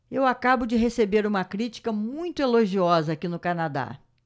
eu acabo de receber uma crítica muito elogiosa aqui no canadá